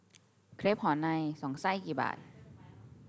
เครปหอในสองไส้กี่บาท